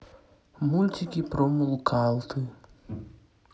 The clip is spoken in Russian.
мультики про мулкалты